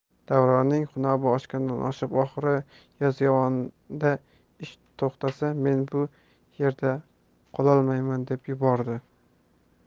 davronning xunobi oshgandan oshib oxiri yozyovonda ish to'xtasa men bu yerda qololmayman deb yubordi